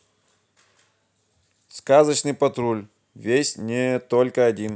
сказочный патруль весь не только один